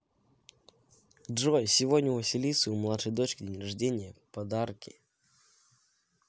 джой сегодня у василисы у младшей дочки день рождения подраки